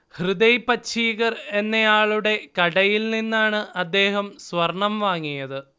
ഹൃദയ് പഛീഗർ എന്നയാളുടെ കടയിൽനിന്നാണ് അദ്ദേഹം സ്വർണം വാങ്ങിയത്